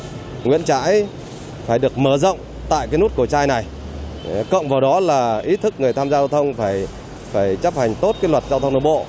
nguyễn trãi phải được mở rộng tại cái nút cổ chai này cộng vào đó là ý thức người tham giao thông phải phải chấp hành tốt kỷ luật giao thông đường bộ